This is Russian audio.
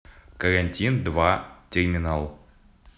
карантин два терминал